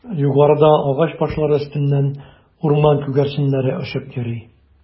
Югарыда агач башлары өстеннән урман күгәрченнәре очып йөри.